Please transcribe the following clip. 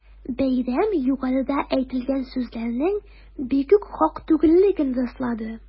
Бәйрәм югарыда әйтелгән сүзләрнең бигүк хак түгеллеген раслады.